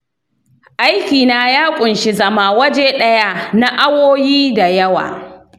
aikina ya ƙunshi zama waje ɗaya na awowi da yawa.